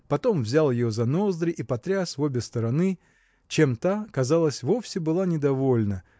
потом взял ее за ноздри и потряс в обе стороны чем та казалось вовсе была недовольна